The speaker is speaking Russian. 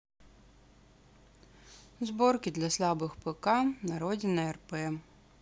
сборки для слабых пк на родина рп